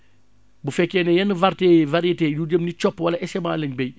bu fekkee ne yenn variétés yu jëm ni cob wala SMA la ñu bay